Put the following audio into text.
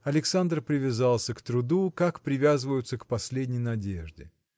Александр привязался к труду, как привязываются к последней надежде.